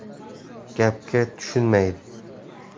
gapga tushunmaydi